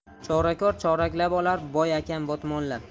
chorakor choraklab olar boy akam botmonlab